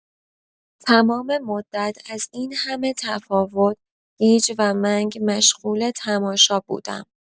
تمام مدت از این همه تفاوت، گیج و منگ مشغول تماشا بودم.